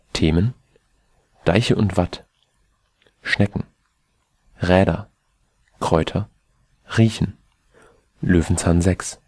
Themen: Deiche und Watt, Schnecken, Räder, Kräuter, Riechen) Löwenzahn 6